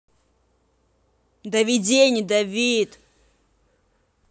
давиде не давид